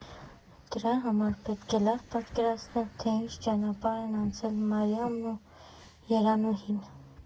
Դրա համար պետք է լավ պատկերացնել, թե ինչ ճանապարհ են անցել Մարիամն ու Երանուհին։